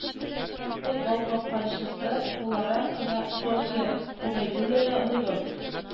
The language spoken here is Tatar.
Футбол капкачысы буларак кына (софья гобәйдуллина, рудольф